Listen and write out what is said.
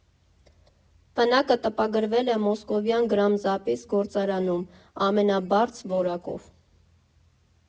Պնակը տպագրվել է մոսկովյան «Գրամզապիս» գործարանում՝ ամենաբարձ որակով։